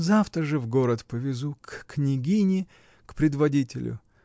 Завтра же в город повезу, к княгине, к предводителю!